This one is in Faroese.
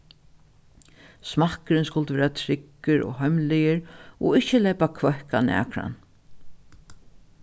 smakkurin skuldi vera tryggur og heimligur og ikki leypa hvøkk á nakran